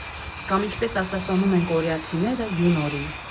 Կամ, ինչպես արտասանում են կորեացիները, յունորի։